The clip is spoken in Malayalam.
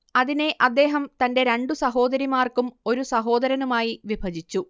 അതിനെ അദ്ദേഹം തന്റെ രണ്ടു സഹോദരിമാർക്കും ഒരു സഹോദരനുമായി വിഭജിച്ചു